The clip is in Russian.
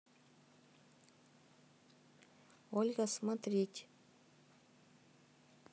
ольга смотреть